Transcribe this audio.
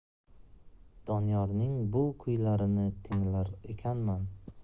doniyorning bu kuylarini tinglar ekanman